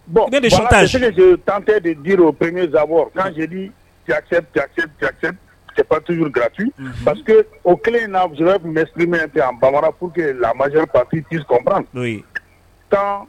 Bon voilà c'est ce que je tentais de dire aux premiers abords quand je dis tu acceptes tu acceptes tu acceptes c'est pas toujours gratuit unhun parce que o kelen in na je vais vous m'exprimer un peu en bambara pour que la majeure partie puisse comprendre oui quand